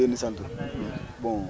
ñu ngi leen di gërëm di leen di sant